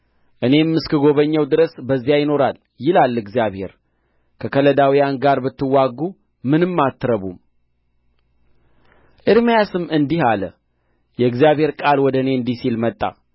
እኔም እስክጐበኘው ድረስ በዚያ ይኖራል ይላል እግዚአብሔር ከከላዳውያን ጋር ብትዋጉ ምንም አትረቡም ኤርምያስም እንዲህ አለ የእግዚአብሄር ቃል ወደ እኔ እንዲህ ሲል መጣ